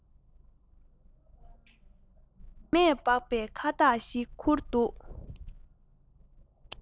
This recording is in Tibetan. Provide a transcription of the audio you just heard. དྲི མས སྦགས པའི ཁ བཏགས ཤིག ཁུར འདུག